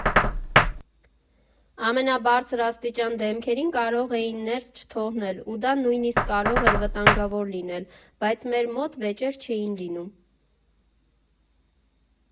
Ամենաբարձրաստիճան դեմքերին կարող էինք ներս չթողել ու դա նույնիսկ կարող էր վտանգավոր լինել, բայց մեր մոտ վեճեր չէին լինում։